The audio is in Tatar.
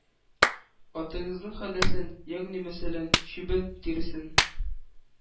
Атыгызның хәдәсен, ягъни мәсәлән, чүбен, тиресен.